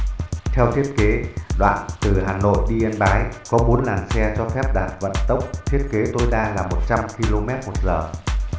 theo thiết kế đoạn hà nội yên bái có làn xe cho phép đạt vận tốc thiết kế tối đa km h